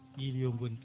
yiloyo gondi